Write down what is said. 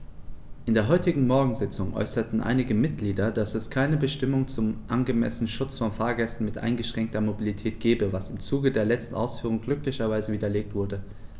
In der heutigen Morgensitzung äußerten einige Mitglieder, dass es keine Bestimmung zum angemessenen Schutz von Fahrgästen mit eingeschränkter Mobilität gebe, was im Zuge der letzten Ausführungen glücklicherweise widerlegt wurde.